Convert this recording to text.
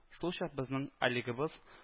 Шулчак безнең Алигыбыз